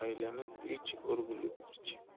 aylanib ich o'rgulib ich